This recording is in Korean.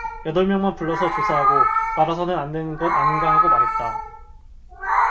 여덟 명만 불러서 조사하고 말아서는 안되는 것 아닌가라고 말했다